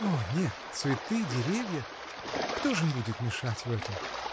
— О нет, цветы, деревья — кто ж им будет мешать в этом?